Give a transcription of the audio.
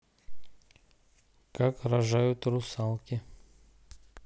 как рожают русалки